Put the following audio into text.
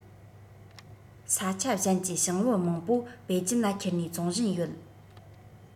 ས ཆ གཞན ཀྱི བྱང བུ མང པོ པེ ཅིན ལ ཁྱེར ནས བཙོང བཞིན ཡོད